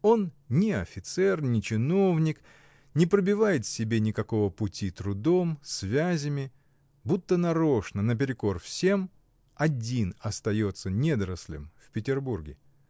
Он ни офицер, ни чиновник, не пробивает себе никакого пути трудом, связями, будто нарочно, наперекор всем, один остается недорослем в Петербурге.